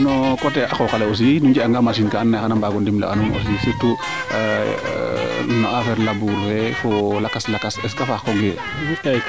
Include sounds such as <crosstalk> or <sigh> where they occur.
d' accord na coté a qooqale aussi nu njeg anga machine ne xana mbaago ndimle a in aussi surtout <hesitation> no affaire laboure fee fo affaire lakas lakas est ce que faax kooge